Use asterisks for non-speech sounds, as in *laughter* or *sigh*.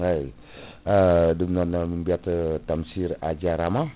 eyyi *breath* *hesitation* ɗum noon min biyata Tamsir a jaarama